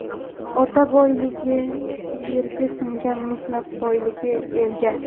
ota boyligi yeiga singar mehnat boyligi elga